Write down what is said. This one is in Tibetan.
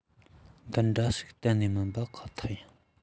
འདི འདྲ ཞིག གཏན ནས མིན པ ཁོ ཐག ཡིན